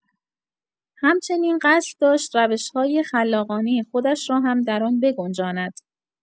همچنین قصد داشت روش‌های خلاقانۀ خودش را هم در آن بگنجاند.